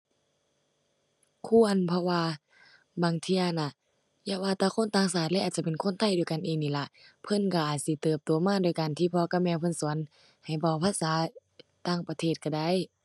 ควร เพราะว่าบางเที่ยน่ะ อย่าว่าแต่คนต่างชาติเลย อาจจะเป็นคนไทยด้วยกันเองนี่ล่ะ เพิ่นก็อาจสิเติบโตมาด้วยการที่พ่อกับแม่เพิ่นสอน ให้เว้าภาษาต่างประเทศก็ได้